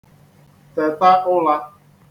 teta ụlà